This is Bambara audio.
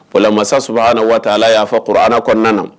Komasa saba waa ala y'a fɔ kokara kɔnɔna na